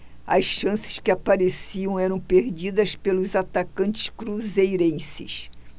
as chances que apareciam eram perdidas pelos atacantes cruzeirenses